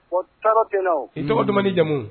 O tɔɔrɔ tɛ i ɲɔgɔn dumuni jamumu